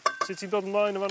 Sut ti'n dod ymlaen yn fan 'na...